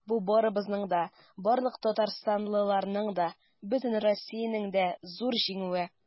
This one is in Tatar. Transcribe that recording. Бу барыбызның да, барлык татарстанлыларның да, бөтен Россиянең дә зур җиңүе.